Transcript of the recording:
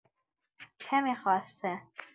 چه می‌خواسته؟